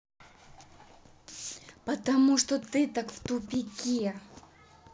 потому что ты так в тупике